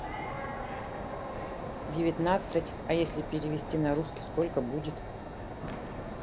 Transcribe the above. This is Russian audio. девятнадцать а если перевести на русский сколько будет